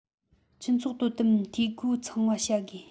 སྤྱི ཚོགས དོ དམ འཐུས སྒོ ཚང བ བྱ དགོས